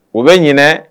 U bɛ ɲ